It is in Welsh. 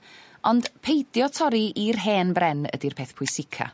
Ond peidio torri i'r hen bren ydi'r peth pwysica.